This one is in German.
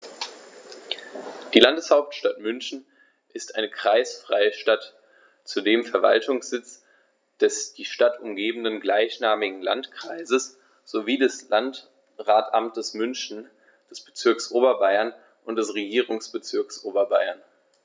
Die Landeshauptstadt München ist eine kreisfreie Stadt, zudem Verwaltungssitz des die Stadt umgebenden gleichnamigen Landkreises sowie des Landratsamtes München, des Bezirks Oberbayern und des Regierungsbezirks Oberbayern.